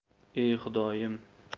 e xudoyim